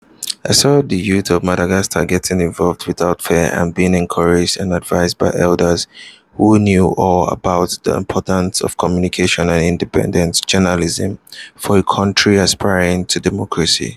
I saw the youth of Madagascar getting involved without fear and being encouraged and advised by elders who knew all about the importance of communication and independent journalism for a country aspiring to democracy.